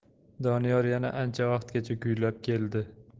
doniyor yana ancha vaqtgacha kuylab keldi